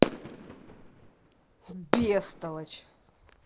бестолочь